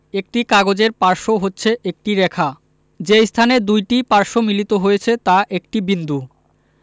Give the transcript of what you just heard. একটি কাগজের পার্শ্ব হচ্ছে একটি রেখা যে স্থানে দুইটি পার্শ্ব মিলিত হয়েছে তা একটি বিন্দু